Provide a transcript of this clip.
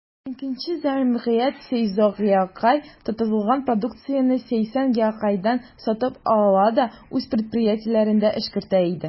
Икенче җәмгыять, «Сейзо Гиокай», тотылган продукцияне «Сейсан Гиокайдан» сатып ала да үз предприятиеләрендә эшкәртә иде.